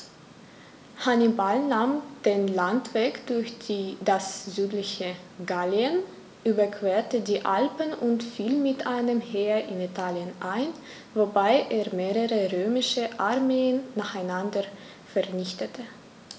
Hannibal nahm den Landweg durch das südliche Gallien, überquerte die Alpen und fiel mit einem Heer in Italien ein, wobei er mehrere römische Armeen nacheinander vernichtete.